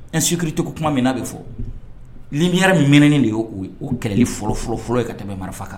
N sukiri to tuma min na bɛ fɔ mi yɛrɛ minɛnen de y o' gɛlɛli fɔlɔ fɔlɔfɔlɔ ye ka tɛmɛ marifa kan